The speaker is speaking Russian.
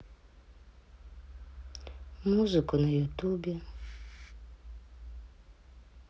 музыку на ютубе